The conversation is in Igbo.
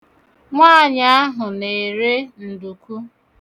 Nwaanyị ahụ na-ere nduku.